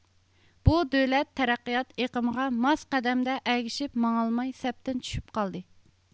بۇ دۆلەت تەرەققىيات ئېقىمىغا ماس قەدەمدە ئەگىشىپ ماڭالماي سەپتىن چۈشۈپ قالدى